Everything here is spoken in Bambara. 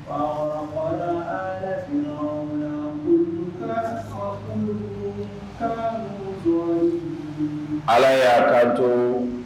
allah y'a kan to